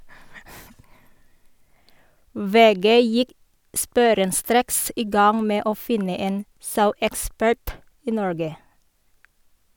VG gikk sporenstreks i gang med å finne en sauekspert i Norge.